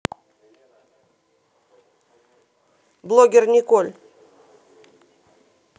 блогер николь